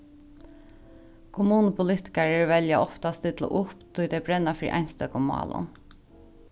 kommunupolitikarar velja ofta at stilla upp tí tey brenna fyri einstøkum málum